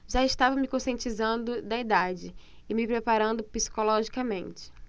já estava me conscientizando da idade e me preparando psicologicamente